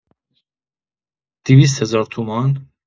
دویست هزار تومان؟